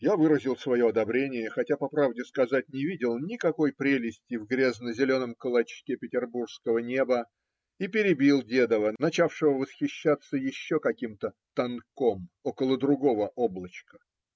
Я выразил свое одобрение, хотя, по правде сказать, не видел никакой прелести в грязно-зеленом клочке петербургского неба, и перебил Дедова, начавшего восхищаться еще каким-то "тонком" около другого облачка.